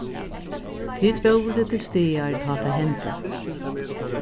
tit vóru til staðar tá tað hendi